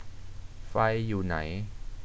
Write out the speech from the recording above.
ไฟอยู่ไหน